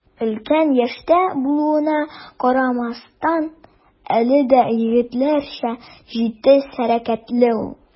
Өлкән яшьтә булуына карамастан, әле дә егетләрчә җитез хәрәкәтле ул.